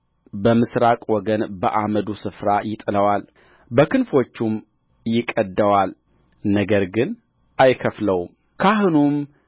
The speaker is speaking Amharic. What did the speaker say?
በምሥራቅ ወገን በአመዱ ስፍራ ይጥለዋልበክንፎቹም ይቀድደዋል ነገር ግን አይከፍለውም ካህኑም